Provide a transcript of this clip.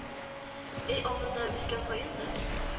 Өй алдында үскән каен да